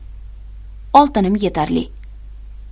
oltinim yetarli